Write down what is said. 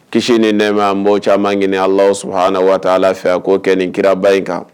Kisi ni nɛma n b'o caman ɲini Alahu subahanahu wataala fɛ a k'o kɛ nin kiraba in kan